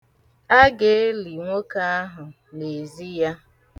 Aga-eli nwoke ahụ n'ezi ya.